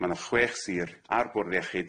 Ma' 'na chwech sir a'r Bwrdd Iechyd.